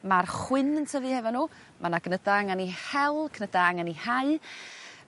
ma'r chwyn yn tyfu efo n'w ma' 'na gnyda angen 'u hel cnyda angen 'u hau